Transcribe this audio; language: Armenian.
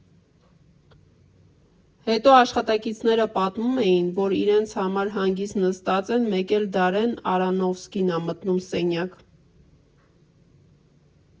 Հետո աշխատակիցները պատմում էին, որ իրենց համար հանգիստ նստած են, մեկ էլ Դարեն Արոնոֆսկին ա մտնում սենյակ։